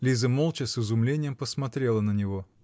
Лиза молча, с изумлением посмотрела на него.